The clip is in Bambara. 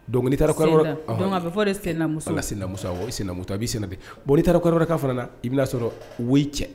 Don taara fɔ sina sinamuso a bɛ sen bonɔni taarakaw fana i bɛna'a sɔrɔ we cɛ